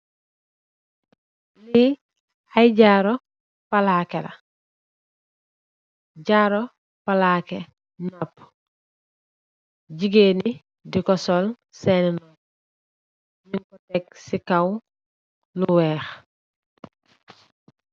Li ay jaru palakeh la, gigeen ñgi di ko sol sééni nopuh, mugeh nekka ci kaw lu wèèx.